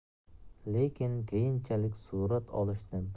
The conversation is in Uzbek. lekin keyinchalik surat solishni